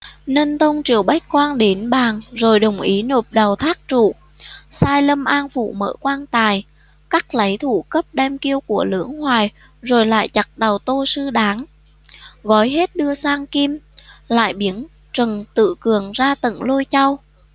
ninh tông triệu bách quan đến bàn rồi đồng ý nộp đầu thác trụ sai lâm an phủ mở quan tài cắt lấy thủ cấp đem kiêu của lưỡng hoài rồi lại chặt đầu tô sư đán gói hết lại đưa sang kim lại biếm trần tự cường ra tận lôi châu